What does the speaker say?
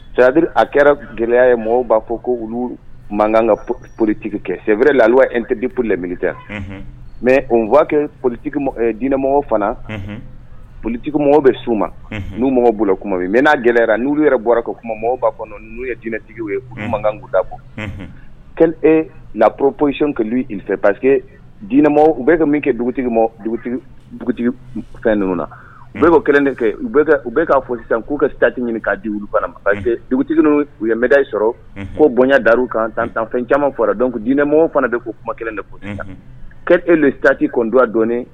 Sariyari a kɛra gɛlɛya ye mɔgɔw b'a fɔ ko wu mankan ka politigi kɛ sɛɛrɛ lawa e tɛp poli la minilita mɛ o'a kɛ poli diinɛmɔgɔ fana politigiw mɔgɔw bɛ s u ma n'u mɔgɔw bolo kuma mɛ gɛlɛyayara n'u yɛrɛ bɔra ko kuma mɔgɔw b'a kɔnɔ n'u ye diinɛtigi ye makankuda bɔ la poro polision ka fɛ parce que di u bɛ ka min kɛ dugutigi dugutigi fɛn ninnu na u bɛ bɔ kelen de kɛ u bɛ' fosi k'u ka taati ɲini k' di fana ma parce que dugutigi u ye mday sɔrɔ ko bonya da u kan tan tanfɛn caman fɔra dɔn ko diinɛmɔgɔ fana de u kuma kelen deolisi kɛ e tati kɔnɔnd a dɔn